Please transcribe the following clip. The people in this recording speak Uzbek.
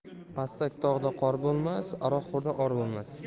pastak tog'da qor bo'lmas aroqxo'rda or